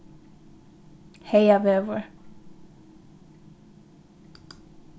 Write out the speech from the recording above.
heygavegur